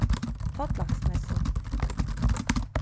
tollaksmessu